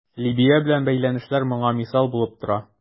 Либия белән бәйләнешләр моңа мисал булып тора.